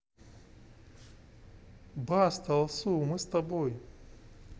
баста алсу мы с тобой